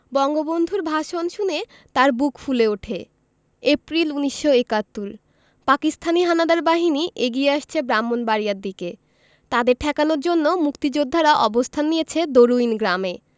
বঙ্গবন্ধুর ভাষণ শুনে তাঁর বুক ফুলে ওঠে এপ্রিল ১৯৭১ পাকিস্তানি হানাদার বাহিনী এগিয়ে আসছে ব্রাহ্মনবাড়িয়ার দিকে তাদের ঠেকানোর জন্য মুক্তিযোদ্ধারা অবস্থান নিয়েছে দরুইন গ্রামে